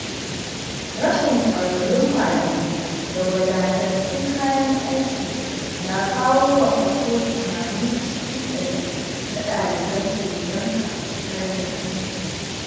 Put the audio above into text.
Rashin ƙwararrun malamai da wadatattun kayan aiki na kawo wa kaso 80% na ɗaliban Sri Lanka tarnaƙi.